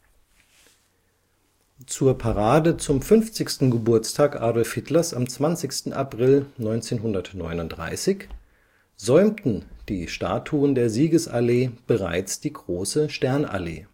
Zur Parade zum 50. Geburtstag Adolf Hitlers am 20. April 1939 säumten die Statuen der Siegesallee bereits die Große Sternallee